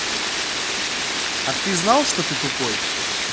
а ты знал что ты тупой